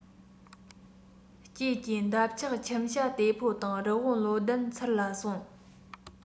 ཀྱེ ཀྱེ འདབ ཆགས ཁྱིམ བྱ དེ ཕོ དང རི བོང བློ ལྡན ཚུར ལ གསོན